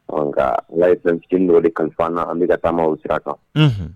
Ɔ nka allah allah ye fɛn ficiin dɔ de kalifa an na, an bɛ ka taama o sira kan, unhun.